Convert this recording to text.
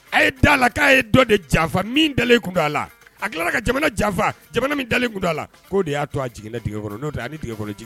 A a la k'a ye dɔ de jafa dalen kun a la a tilala ka jamana jafa jamana dalen kun a la' de y'a to a jiginkɔrɔ a